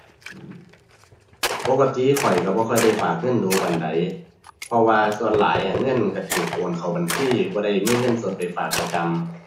ปกติข้อยก็บ่ค่อยได้ฝากเงินดู๋ปานใด เพราะว่าส่วนหลายอะ เงินก็ก็โอนเข้าบัญชี บ่ได้มีเงินสดไปฝากประจำ